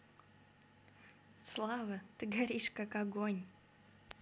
слава ты горишь как огонь